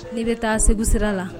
Ne bɛ taa segu sira la